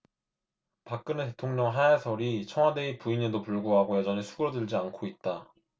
박근혜 대통령 하야설이 청와대의 부인에도 불구하고 여전히 수그러들지 않고 있다